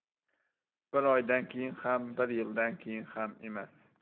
bir oydan keyin ham bir yildan keyin ham emas